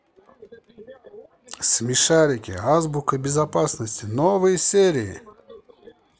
смешарики азбука безопасности новые серии